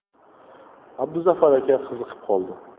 abduzafar aka qiziqib qoldi